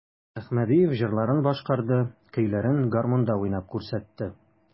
Әхмәдиев җырларын башкарды, көйләрен гармунда уйнап күрсәтте.